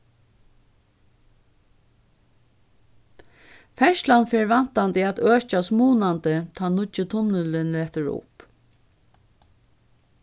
ferðslan fer væntandi at økjast munandi tá nýggi tunnilin letur upp